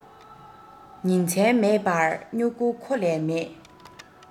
ཉིན མཚན མེད པར རྨྱུག རྒྱུ ཁོ ལས མེད